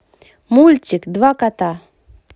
мультик два кота